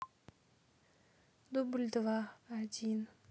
дубль два один